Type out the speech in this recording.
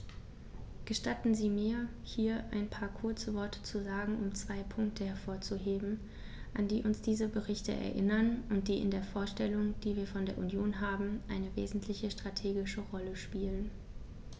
Gestatten Sie mir, hier ein paar kurze Worte zu sagen, um zwei Punkte hervorzuheben, an die uns diese Berichte erinnern und die in der Vorstellung, die wir von der Union haben, eine wesentliche strategische Rolle spielen.